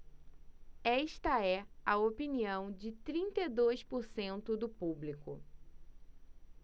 esta é a opinião de trinta e dois por cento do público